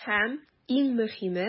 Һәм, иң мөһиме,